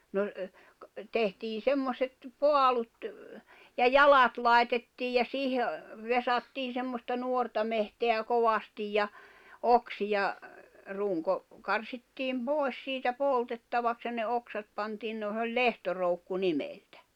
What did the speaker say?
no tehtiin semmoiset paalut ja jalat laitettiin ja siihen vesattiin semmoista nuorta metsää kovasti ja oksia runko karsittiin pois siitä poltettavaksi ja ne oksat pantiin no se oli lehtoroukku nimeltä